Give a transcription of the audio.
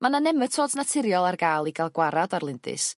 Ma' 'na nematodes naturiol ar ga'l i ga'l gwarad ar lindys